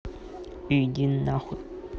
иди нахуй